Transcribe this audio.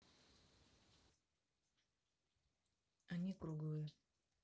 они круглые